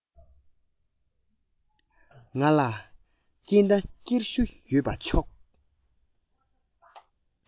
ང ལ སྐྱེར མདའ སྐྱེར གཞུ ཡོད པས ཆོག